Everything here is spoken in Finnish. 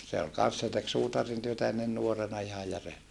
se oli kanssa se teki suutarintyötä ennen nuorena ihan järjestään